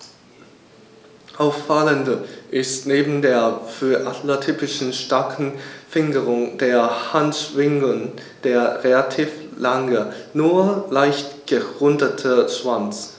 Auffallend ist neben der für Adler typischen starken Fingerung der Handschwingen der relativ lange, nur leicht gerundete Schwanz.